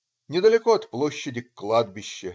Недалеко от площади - кладбище.